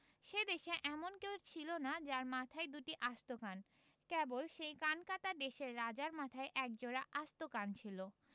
সে দেশে এমন কেউ ছিল না যার মাথায় দুটি আস্ত কান কেবল সেই কানকাটা দেশের রাজার মাথায় একজোড়া আস্ত কান ছিল